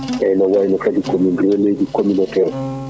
eyyi ne wano kadi komin relais ji communautaire